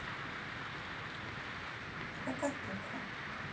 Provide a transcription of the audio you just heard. покатуха